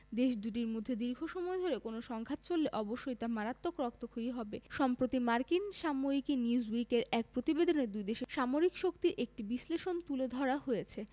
দেশ দুটির মধ্যে দীর্ঘ সময় ধরে কোনো সংঘাত চললে অবশ্যই তা মারাত্মক রক্তক্ষয়ী হবে সম্প্রতি মার্কিন সাময়িকী নিউজউইকের এক প্রতিবেদনে দুই দেশের সামরিক শক্তির একটি বিশ্লেষণ তুলে ধরা হয়েছে